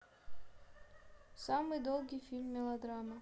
самый долгий фильм мелодрама